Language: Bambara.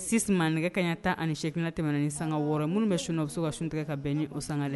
6 ma nɛgɛ kaɲa 18 n'a tɛmɛna ni saŋa 6 ye minnu bɛ sun na u be se ka sun tigɛ ka bɛn ni o saŋa